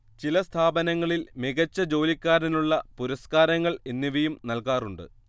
ചില സ്ഥാപനങ്ങളിൽ മികച്ച ജോലിക്കാരനുള്ള പുരസ്കാരങ്ങൾ എന്നിവയും നൽകാറുണ്ട്